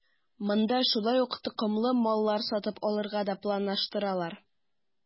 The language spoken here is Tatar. Монда шулай ук токымлы маллар сатып алырга да планлаштыралар.